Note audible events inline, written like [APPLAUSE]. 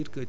[HESITATION] [HESITATION]